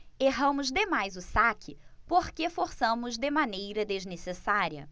erramos demais o saque porque forçamos de maneira desnecessária